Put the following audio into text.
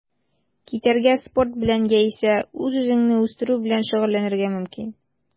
Китәргә, спорт белән яисә үз-үзеңне үстерү белән шөгыльләнергә мөмкин.